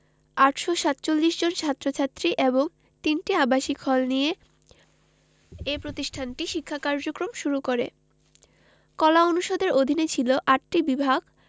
৮৪৭ জন ছাত্র ছাত্রী এবং ৩টি আবাসিক হল নিয়ে এ প্রতিষ্ঠানটি শিক্ষা কার্যক্রম শুরু করে কলা অনুষদের অধীনে ছিল ৮টি বিভাগ